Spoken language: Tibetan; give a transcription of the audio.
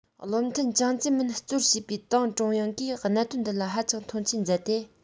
བློ མཐུན ཅང ཙེ མིན གཙོར བྱས པའི ཏང ཀྲུང དབྱང གིས གནད དོན འདི ལ ཧ ཅང མཐོང ཆེན མཛད དེ